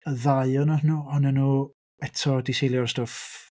Y ddau ohonyn nhw... honyn nhw eto wedi seilio ar stwff...